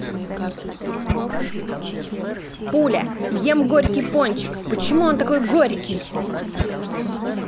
пуля ем горький пончик почему он такой горький